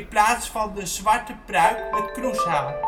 plaats van de zwarte pruik met kroeshaar